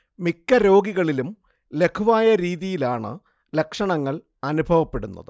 മിക്ക രോഗികളിലും ലഘുവായ രീതിയിലാണ് ലക്ഷണങ്ങൾ അനുഭവപ്പെടുന്നത്